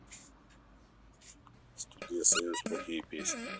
студия союз плохие песни